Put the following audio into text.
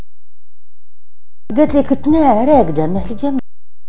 قلت لك اثنين